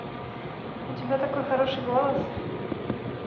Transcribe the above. у тебя такой хороший голос